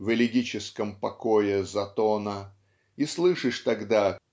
в элегическом покое затона и слышишь тогда